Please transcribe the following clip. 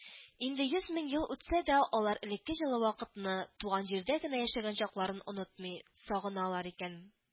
Инде йөз мең ел үтсә дә алар элекке җылы вакытны, туган җирдә генә яшәгән чакларын онытмый, сагыналар икән